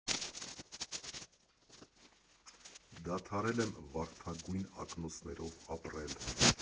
Դադարել եմ վարդագույն ակնոցներով ապրել։